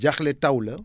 jaaxle taw la